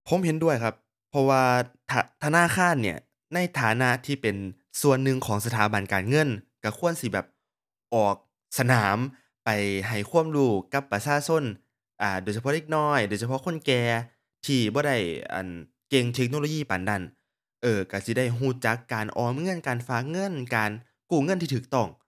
ผมเห็นด้วยครับ เพราะว่า ทะ ธนาคารเนี่ย ในฐานะที่เป็นส่วนหนึ่งของสถาบันการเงิน ก็ควรสิแบบ ออกสนามไปให้ความรู้กับประชาชน อ่า โดยเฉพาะเด็กน้อย โดยเฉพาะคนแก่ ที่บ่ได้ อั่น เก่งเทคโนโลยีปานนั้น เอ้อ ก็สิได้ก็จักการออมเงิน การฝากเงิน การกู้เงินที่ก็ต้อง